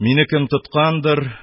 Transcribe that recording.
Мине кем тоткандыр,